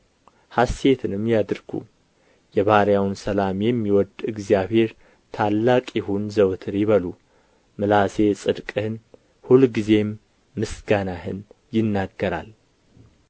ሐሴትንም ያድርጉ የባሪያውን ሰላም የሚወድድ እግዚአብሔር ታላቅ ይሁን ዘወትር ይበሉ ምላሴ ጽድቅህን ሁልጊዜም ምስጋናህን ይናገራል